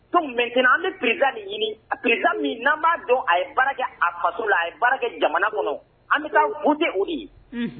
Don mɛt an bɛ pkan ni ɲini a pd min n'an b'a dɔn a ye baara kɛ a faso la a ye baara kɛ jamana kɔnɔ an bɛ taa de u de ye